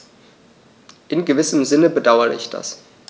In gewissem Sinne bedauere ich das.